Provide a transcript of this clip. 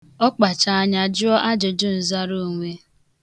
Ọ kpacha anya jụọ ajụjụnzaraonwe.